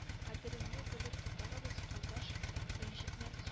Кадереңне белеп тотарбыз кордаш рәнҗетмәбез